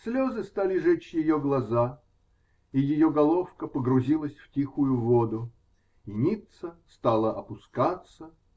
Слезы стали жечь ее глаза, и ее головка погрузилась в тихую воду. И Ницца стала опускаться.